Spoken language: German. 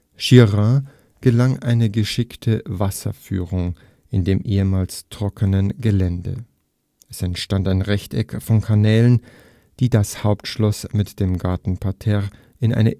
Girard gelang eine geschickte Wasserführung in dem ehemals trockenen Gelände. Es entstand ein Rechteck von Kanälen, die das Hauptschloss mit dem Gartenparterre in eine